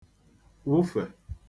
wụfè